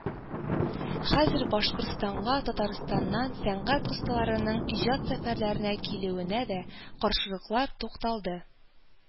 Хәзер Башкортстанга Татарстаннан сәнгать осталарының иҗат сәфәрләренә килүенә дә каршылыклар тукталды